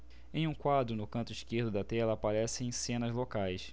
em um quadro no canto esquerdo da tela aparecem cenas locais